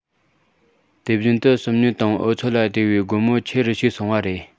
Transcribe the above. དེ བཞིན དུ སོམ ཉི དང འོལ ཚོད ལ བདེ བའི སྒོ མོ ཆེ རུ ཕྱེ སོང བ རེད